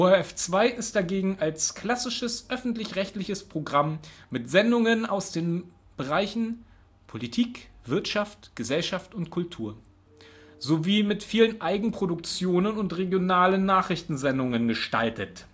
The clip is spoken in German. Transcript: ORF 2 ist dagegen als klassisches öffentlich-rechtliches Programm mit Sendungen aus den Bereichen Politik, Wirtschaft, Gesellschaft und Kultur sowie mit vielen Eigenproduktionen und regionalen Nachrichtensendungen gestaltet